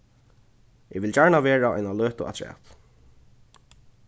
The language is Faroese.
eg vil gjarna vera eina løtu aftrat